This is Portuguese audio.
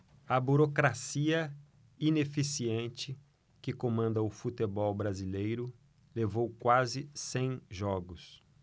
a burocracia ineficiente que comanda o futebol brasileiro levou quase cem jogos